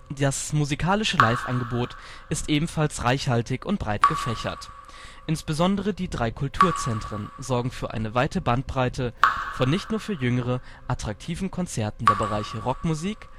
Das musikalische Live-Angebot ist ebenfalls reichhaltig und breit gefächert. Insbesondere die drei Kulturzentren sorgen für ein weite Bandbreite von nicht nur für Jüngere attraktiven Konzerten der Bereiche Rockmusik